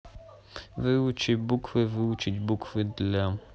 выучить буквы выучить буквы для